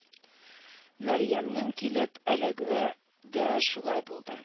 Мәрьямнең килеп эләгүе дә шулай булды